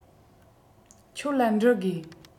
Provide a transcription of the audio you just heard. ཁྱོད ལ འདྲི དགོས